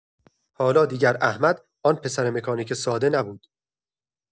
حالا دیگر احمد آن پسر مکانیک ساده نبود.